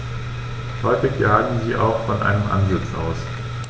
Häufig jagen sie auch von einem Ansitz aus.